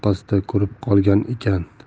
yoqasida ko'rib qolgan ekan